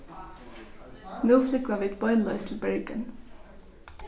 nú flúgva vit beinleiðis til bergen